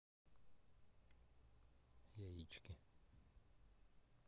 яички